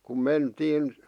kun mentiin